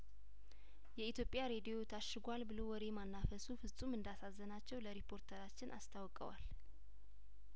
የኢትዮጵያ ሬዲዮ ታሽጓል ብሎ ወሬ ማናፈሱ ፍጹም እንዳሳዘናቸው ለሪፖርተራችን አስታውቀዋል